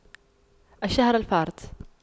الشهر الفارط